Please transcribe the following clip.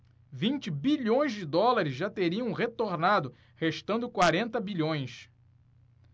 vinte bilhões de dólares já teriam retornado restando quarenta bilhões